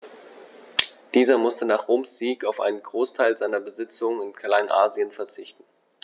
Dieser musste nach Roms Sieg auf einen Großteil seiner Besitzungen in Kleinasien verzichten.